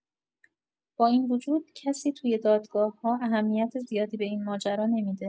با این وجود کسی توی دادگاه‌ها اهمیت زیادی به این ماجرا نمی‌ده